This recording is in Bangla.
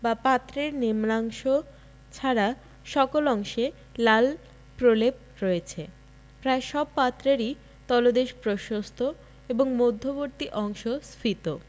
বা পাত্রের নিম্নাংশ ছাড়া সকল অংশে লাল প্রলেপ রয়েছে প্রায় সব পাত্রেরই তলদেশ প্রশস্ত এবং মধবর্তী অংশ স্ফীত